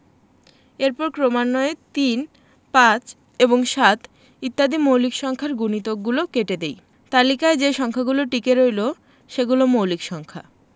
এরপর ক্রমান্বয়ে ৩ ৫ এবং ৭ ইত্যাদি মৌলিক সংখ্যার গুণিতকগুলো কেটে দিই তালিকায় যে সংখ্যাগুলো টিকে রইল সেগুলো মৌলিক সংখ্যা